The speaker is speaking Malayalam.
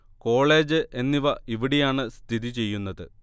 കോളേജ് എന്നിവ ഇവിടെയാണ് സ്ഥിതി ചെയ്യുന്നത്